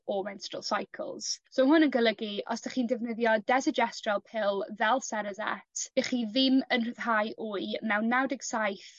o menstrual cycles. So ma' hwn yn golygu os 'dych chi'n defnyddio desogestrel pill fel cerazette 'ych chi ddim yn rhyddhau wy mewn naw deg saith